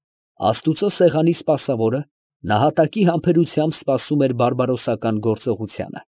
Աստուծո սեղանի սպասավորը նահատակի համբերությամբ սպասում էր բարբարոսական գործողությանը։